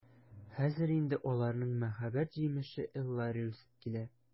Хәзер инде аларның мәхәббәт җимеше Эллари үсеп килә.